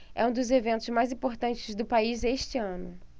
é um dos eventos mais importantes do país este ano